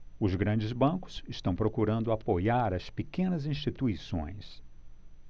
os grandes bancos estão procurando apoiar as pequenas instituições